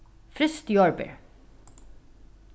fryst jarðber